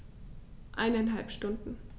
Eineinhalb Stunden